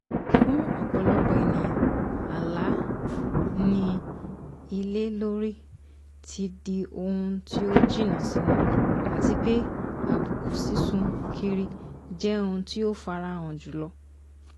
Fún ogunlọ́gọ̀ ènìyàn, alá níní ilé lórí ti di ohun tí ó jìnnà sí wọn, àtipé àbùkù sísùn kiri jẹ́ ohún tí ó farahàn jùlọ."